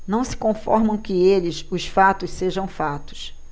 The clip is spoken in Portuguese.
não se conformam que eles os fatos sejam fatos